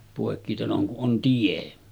poikkiteloin kun on tie